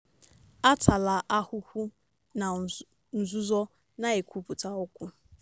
Atala ahụhụ na nzuzo— na-ekwupụta okwu.